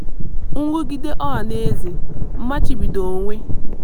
Nrụgide ọhanaeze, mmachibido onwe.